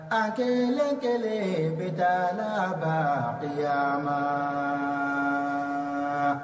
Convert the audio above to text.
A kelen kelen bɛ taa laban laban ma